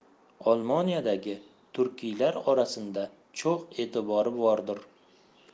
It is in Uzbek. olmoniyadagi turkiylar orasinda cho'x e'tibori vordur